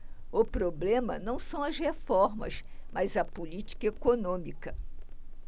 o problema não são as reformas mas a política econômica